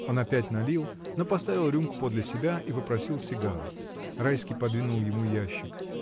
Он опять налил, но поставил рюмку подле себя и попросил сигару. Райский подвинул ему ящик.